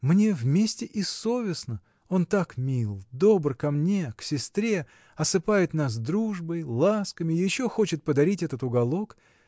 Мне вместе и совестно: он так мил, добр ко мне, к сестре — осыпает нас дружбой, ласками, еще хочет подарить этот уголок.